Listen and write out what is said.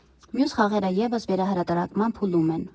Մյուս խաղերը ևս վերահրատարակման փուլում են։